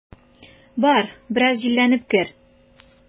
Бар, бераз җилләнеп кер.